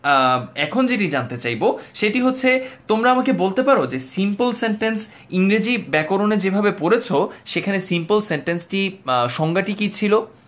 এখন যেটি জানতে চাইবো সেটি হচ্ছে তোমরা আমাকে বলতে পারো যে সিম্পল সেন্টেন্স এর ইংরেজি ব্যাকরণ এ যেভাবে পড়েছ সেখানে সিম্পল সেন্টেন্স টি সংজ্ঞাটি কি ছিল